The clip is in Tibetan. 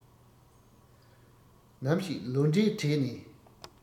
ནམ ཞིག ལོ འབྲས བྲས ནས